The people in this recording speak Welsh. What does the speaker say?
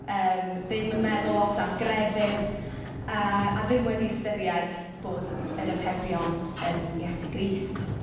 Yym, ddim yn meddwl lot am grefydd yy a a ddim wedi ystyried bod yr atebion yn Iesu Grist.